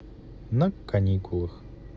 на каникулах